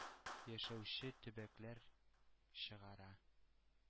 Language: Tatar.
Яшәүче төбәкләр чыгара.